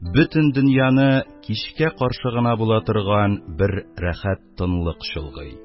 Бөтен дөньяны кичкә каршы гына була торган бер рәхәт тынлык чолгый.